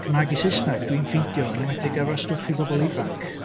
Cymraeg i Saesneg dwi'n ffeindio, yn enwedig efo stwff i bobl ifanc.